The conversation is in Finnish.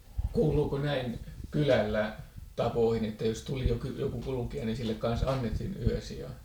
kuuluuko näin kylällä tapoihin että jos tuli joku kulkija niin sille kanssa annettiin yösija